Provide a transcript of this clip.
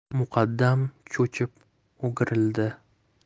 muqaddam cho'chib o'girildi